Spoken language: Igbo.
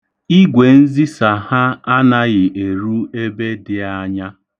Igwenzisa ha anaghị eru ebe dị anya.